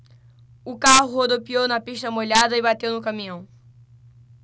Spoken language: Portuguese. o carro rodopiou na pista molhada e bateu no caminhão